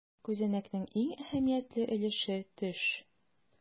Күзәнәкнең иң әһәмиятле өлеше - төш.